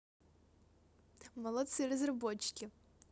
молодцы разработчики